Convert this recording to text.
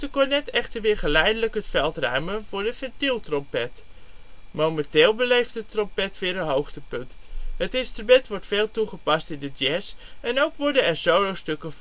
cornet echter weer geleidelijk het veld ruimen voor de ventiel trompet. Momenteel beleeft de trompet weer een hoogtepunt. Het instrument wordt veel toegepast in de jazz en ook worden er solostukken voor